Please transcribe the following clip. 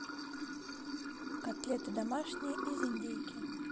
котлеты домашние из индейки